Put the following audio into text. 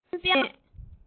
སློབ དཔོན པད མ འབྱུང ནས